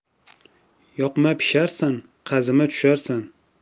yoqma pisharsan qazima tusharsan